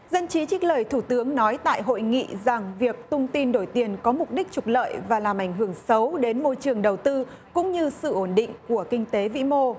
dân trí trích lời thủ tướng nói tại hội nghị rằng việc tung tin đổi tiền có mục đích trục lợi và làm ảnh hưởng xấu đến môi trường đầu tư cũng như sự ổn định của kinh tế vĩ mô